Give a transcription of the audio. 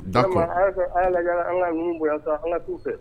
Taama aa fɛ an lajɛ an ka ɲini bonya an ka k'u fɛ